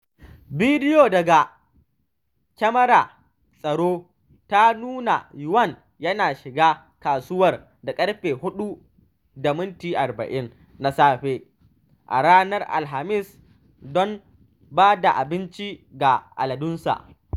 Bidiyo daga kyamarar tsaro ta nuna Yuan yana shiga kasuwar da ƙarfe 4:40 na safe a ranar Alhamis don ba da abinci ga aladunsa.